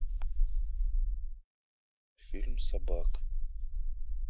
фильм собак